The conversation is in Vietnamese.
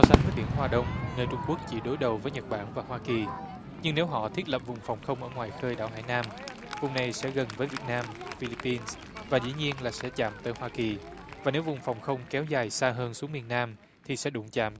sánh với biển hoa đông nơi trung quốc chỉ đối đầu với nhật bản và hoa kỳ nhưng nếu họ thiết lập vùng phòng không ở ngoài khơi đảo hải nam vùng này sẽ gần với việt nam phi líp pin và dĩ nhiên là sẽ chạm tới hoa kỳ và nếu vùng phòng không kéo dài xa hơn xuống miền nam thì sẽ đụng chạm